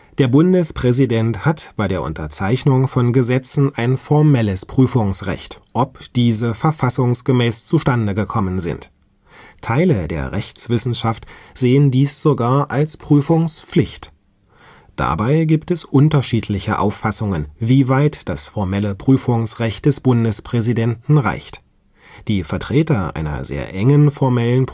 Der Bundespräsident hat bei der Unterzeichnung von Gesetzen ein formelles Prüfungsrecht, ob diese verfassungsgemäß zustande gekommen sind. Teile der Rechtswissenschaft sehen dies sogar als Prüfungspflicht. Dabei gibt es unterschiedliche Auffassungen, wie weit das formelle Prüfungsrecht des Bundespräsidenten reicht. Die Vertreter einer sehr engen formellen